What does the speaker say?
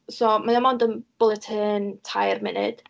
So mae o mond yn bwletin tair munud.